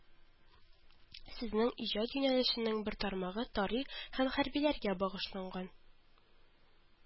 Сезнең иҗат юнәлешенең бер тармагы тарих һәм хәрбиләргә багышланган